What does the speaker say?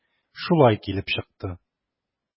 Шулай килеп чыкты.